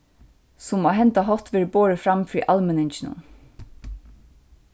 sum á henda hátt verður borið fram fyri almenninginum